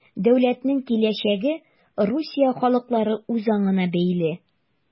Дәүләтнең киләчәге Русия халыклары үзаңына бәйле.